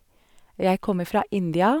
Jeg kommer fra India.